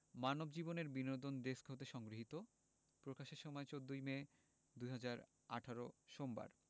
মানবজমিন এর বিনোদন ডেস্ক হতে সংগৃহীত প্রকাশের সময় ১৪ মে ২০১৮ সোমবার